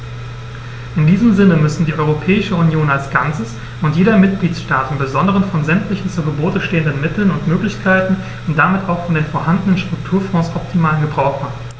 In diesem Sinne müssen die Europäische Union als Ganzes und jeder Mitgliedstaat im besonderen von sämtlichen zu Gebote stehenden Mitteln und Möglichkeiten und damit auch von den vorhandenen Strukturfonds optimalen Gebrauch machen.